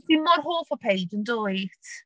Ti mor hoff o Paige, yn dwyt?